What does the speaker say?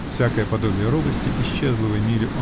Всякое подобие робости исчезло в Эмиле